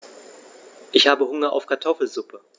Ich habe Hunger auf Kartoffelsuppe.